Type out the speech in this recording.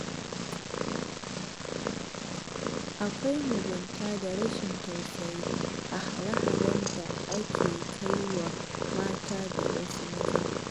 Akwai mugunta da rashin tausayi a hare-haren da ake kai wa matan (da wasu mazan).